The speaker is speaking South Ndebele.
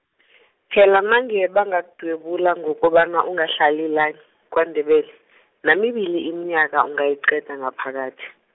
phela nange bangakudwebula ngokobana ungahlali la, kwaNdebele, namibili iminyaka ungayiqeda ngaphakathi.